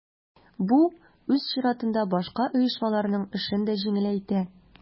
Бу үз чиратында башка оешмаларның эшен дә җиңеләйтә.